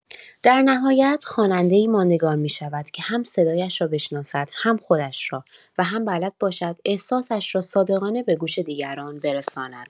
در نهایت، خواننده‌ای ماندگار می‌شود که هم صدایش را بشناسد، هم خودش را، و هم بلد باشد احساسش را صادقانه به گوش دیگران برساند.